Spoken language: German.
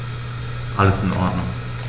Alles in Ordnung.